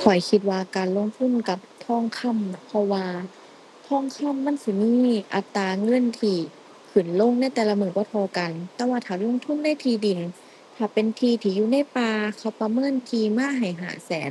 ข้อยคิดว่าการลงทุนกับทองคำน่ะ เพราะว่าทองคำมันสิมีอัตราเงินที่ ขึ้นลงในแต่ละมื้อบ่เท่ากัน แต่ว่าถ้าลงทุนในที่ดิน ถ้าเป็นที่ที่อยู่ในป่า เขาประเมินที่มาให้ห้าแสน